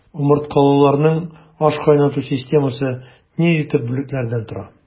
Умырткалыларның ашкайнату системасы нинди төп бүлекләрдән тора?